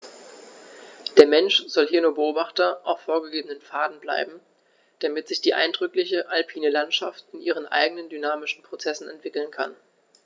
Der Mensch soll hier nur Beobachter auf vorgegebenen Pfaden bleiben, damit sich die eindrückliche alpine Landschaft in ihren eigenen dynamischen Prozessen entwickeln kann.